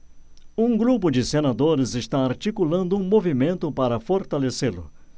um grupo de senadores está articulando um movimento para fortalecê-lo